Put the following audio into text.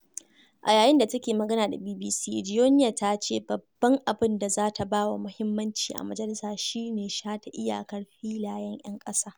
A yayin da take magana da BBC, Joenia ta ce babban abin da za ta ba wa muhimmanci a majalisa shi ne shata iyakar filayen 'yan ƙasa: